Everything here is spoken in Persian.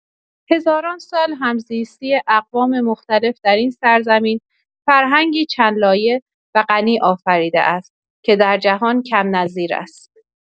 هزاران سال همزیستی اقوام مختلف در این سرزمین، فرهنگی چندلایه و غنی آفریده است که در جهان کم‌نظیر است.